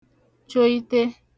choite